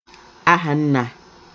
ahànnà